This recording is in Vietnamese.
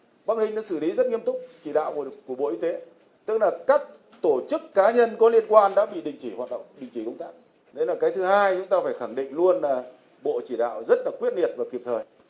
bắc ninh đã xử lý rất nghiêm túc chỉ đạo của của bộ y tế tức là các tổ chức cá nhân có liên quan đã bị đình chỉ hoạt động đình chỉ công tác đấy là cái thứ hai chúng ta phải khẳng định luôn là bộ chỉ đạo rất là quyết liệt và kịp thời